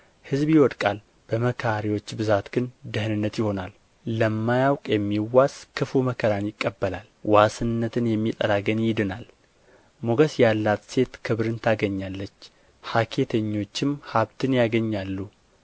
ሕዝብ ይወድቃል በመካሮች ብዛት ግን ደኅንነት ይሆናል ለማያውቅ የሚዋስ ክፉ መከራን ይቀበላል ዋስነትን የሚጠላ ግን ይድናል ሞገስ ያላት ሴት ክብርን ታገኛለች ሀኬተኖችም ሀብትን ያገኛሉ